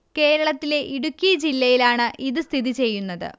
കേരളത്തിലെ ഇടുക്കി ജില്ലയിലാണ് ഇത് സ്ഥിതി ചെയ്യുന്നത്